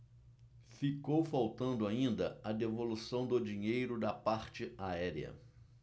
ficou faltando ainda a devolução do dinheiro da parte aérea